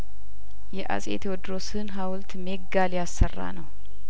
የአጼ ቴዎድሮስን ሀውልት ሜጋ ሊያሰራ ነው